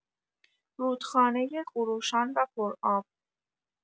رودخانه خروشان و پرآب